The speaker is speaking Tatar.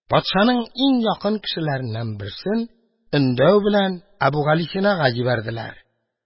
Патшаның иң якын кешеләреннән берсен өндәү белән Әбүгалисинага җибәрделәр.